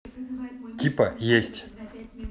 типа есть